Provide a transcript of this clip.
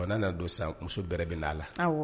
O na na don sisan muso bɛrɛ bɛn'a la.